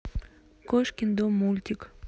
кошкин дом мультик